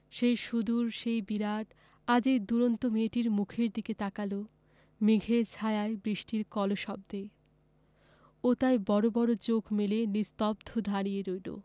সেই সুদূর সেই বিরাট আজ এই দুরন্ত মেয়েটির মুখের দিকে তাকাল মেঘের ছায়ায় বৃষ্টির কলশব্দে ও তাই বড় বড় চোখ মেলে নিস্তব্ধ দাঁড়িয়ে রইল